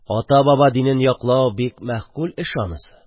Ата-баба динен яклау бик мәгъкүл эш, анысы.